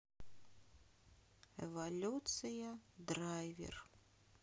эволюция драйвер